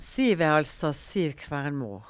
Siv er altså Siv Kvernmo.